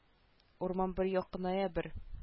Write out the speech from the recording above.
Урман бер якыная бер